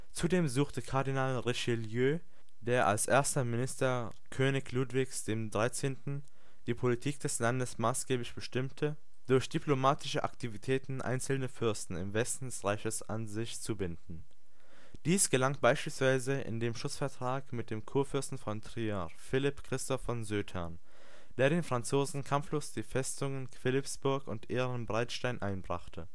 Zudem suchte Kardinal Richelieu, der als Erster Minister König Ludwigs XIII. die Politik des Landes maßgeblich bestimmte, durch diplomatische Aktivitäten einzelne Fürsten im Westen des Reichs an sich zu binden. Dies gelang beispielsweise in dem Schutzvertrag mit dem Kurfürsten von Trier Philipp Christoph von Sötern, der den Franzosen kampflos die Festungen Philippsburg und Ehrenbreitstein einbrachte